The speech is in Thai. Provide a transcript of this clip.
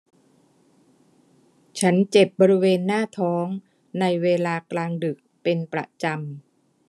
ฉันเจ็บบริเวณหน้าท้องในเวลากลางดึกเป็นประจำ